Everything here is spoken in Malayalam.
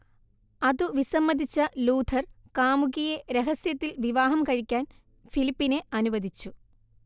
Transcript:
അതു വിസമ്മതിച്ച ലൂഥർ കാമുകിയെ രഹസ്യത്തിൽ വിവാഹം കഴിക്കാൻ ഫിലിപ്പിനെ അനുവദിച്ചു